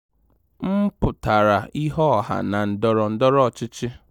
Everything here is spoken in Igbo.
Mmpụtara Ihe Ọha na Ndọrọ Ndọrọ Ọchịchị